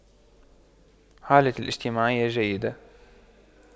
حالتي الاجتماعية جيدة